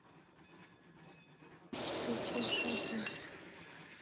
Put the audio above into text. включи шафл